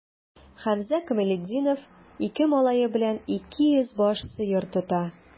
Хәмзә Камалетдинов ике малае белән 200 баш сыер тота.